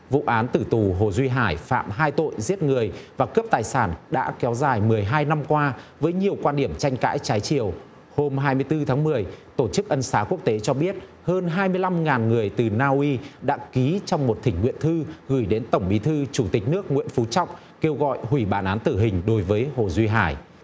vụ án tử tù hồ duy hải phạm hai tội giết người và cướp tài sản đã kéo dài mười hai năm qua với nhiều quan điểm tranh cãi trái chiều hôm hai mươi tư tháng mười tổ chức ân xá quốc tế cho biết hơn hai mươi lăm ngàn người từ na uy đã ký trong một thỉnh nguyện thư gửi đến tổng bí thư chủ tịch nước nguyễn phú trọng kêu gọi hủy bản án tử hình đối với hồ duy hải